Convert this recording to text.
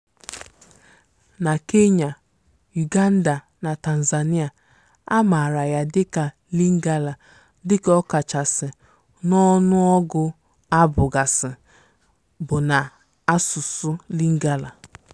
Na Kenya, Uganda, na Tanzania, a maara ya dịka Lingala dịka ọ kachasị n'ọnụọgụ abụ gasị bụ n'asụsụ Lingala.